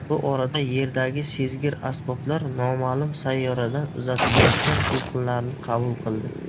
bu orada yerdagi sezgir asboblar nomalum sayyoradan uzatilayotgan to'lqinlarni qabul qildi